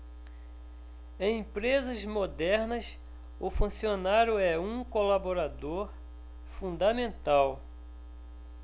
em empresas modernas o funcionário é um colaborador fundamental